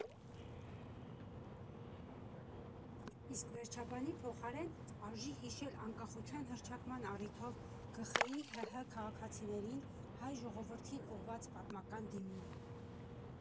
Իսկ վերջաբանի փոխարեն արժի հիշել անկախության հռչակման առիթով ԳԽ֊ի ՀՀ քաղաքացիներին, հայ ժողովրդին ուղղված պատմական դիմումը.